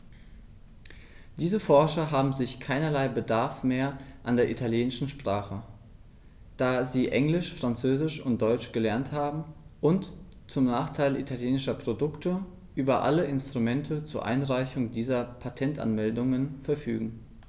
Diese Forscher haben sicher keinerlei Bedarf mehr an der italienischen Sprache, da sie Englisch, Französisch und Deutsch gelernt haben und, zum Nachteil italienischer Produkte, über alle Instrumente zur Einreichung dieser Patentanmeldungen verfügen.